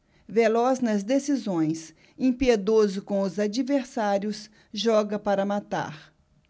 veloz nas decisões impiedoso com os adversários joga para matar